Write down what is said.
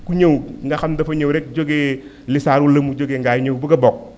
ku ñëw nga xam dafa ñëw rek jógee lisaaru lëmm jógee Ngaye ñëw bëgg a book